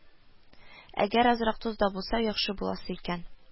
Әгәр азрак тоз да булса, яхшы буласы икән